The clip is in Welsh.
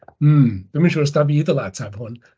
Hmm, dwi ddim yn siŵr os ta fi ddyla ateb hwn.